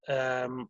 yym